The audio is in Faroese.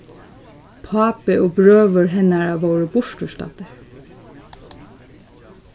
pápi og brøður hennara vóru burturstaddir